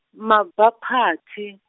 mabaphathi.